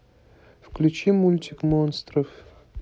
включи мультик монстров